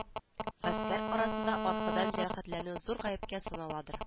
Гаскәр арасында аркадан җәрәхәтләнү зур гаепкә саналадыр